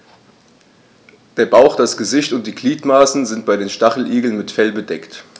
Der Bauch, das Gesicht und die Gliedmaßen sind bei den Stacheligeln mit Fell bedeckt.